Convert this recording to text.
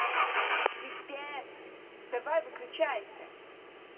привет давай выключайся